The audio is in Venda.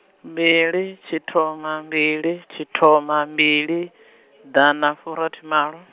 mbili tshithoma mbili tshithoma mbili, ḓanafurathimalo.